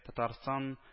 Татарстан